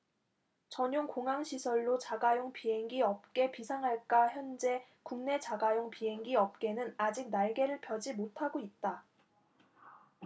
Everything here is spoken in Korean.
전용 공항 시설로 자가용 비행기 업계 비상할까현재 국내 자가용 비행기 업계는 아직 날개를 펴지 못하고 있다